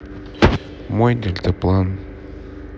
мой дельтаплан